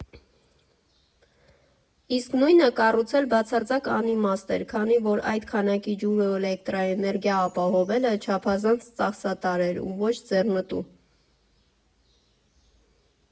Իսկ նույնը կառուցել բացարձակ անիմաստ էր, քանի որ այդ քանակի ջուր ու էլեկտրաէներգիա ապահովելը չափազանց ծախսատար էր ու ոչ ձեռնտու։